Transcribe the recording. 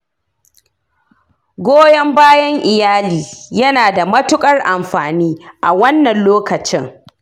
goyon bayan iyali yna da matukar amfani a wannan lokacin.